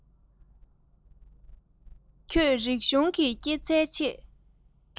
ཁྱོད རིག གཞུང གི སྐྱེད ཚལ ཆེད